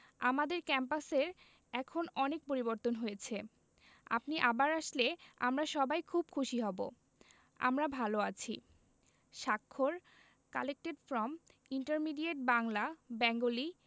আমাদের ক্যাম্পাসের এখন অনেক পরিবর্তন হয়েছে আপনি আবার আসলে আমরা সবাই খুব খুশি হব আমরা ভালো আছি স্বাক্ষর collected from intermediate Bangla Bengali